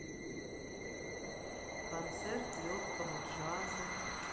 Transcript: концерт легкого джаза